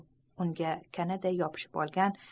unga kanaday yopishib olgan